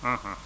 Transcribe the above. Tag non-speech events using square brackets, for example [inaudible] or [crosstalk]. [hesitation] [hesitation]